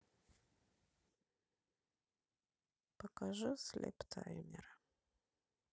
покажи слип таймеры